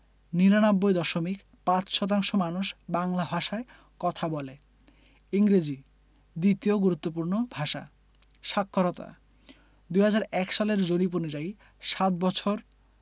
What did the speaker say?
৯৯দশমিক ৫শতাংশ মানুষ বাংলা ভাষায় কথা বলে ইংরেজি দ্বিতীয় গুরুত্বপূর্ণ ভাষা সাক্ষরতাঃ ২০০১ সালের জরিপ অনুযায়ী সাত বৎসর